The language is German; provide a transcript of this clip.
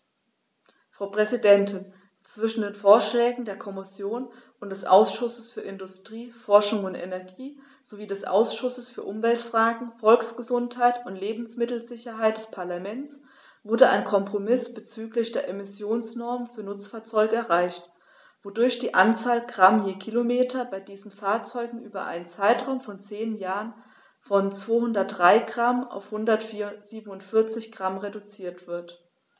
Frau Präsidentin, zwischen den Vorschlägen der Kommission und des Ausschusses für Industrie, Forschung und Energie sowie des Ausschusses für Umweltfragen, Volksgesundheit und Lebensmittelsicherheit des Parlaments wurde ein Kompromiss bezüglich der Emissionsnormen für Nutzfahrzeuge erreicht, wodurch die Anzahl Gramm je Kilometer bei diesen Fahrzeugen über einen Zeitraum von zehn Jahren von 203 g auf 147 g reduziert wird.